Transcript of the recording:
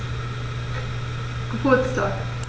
Geburtstag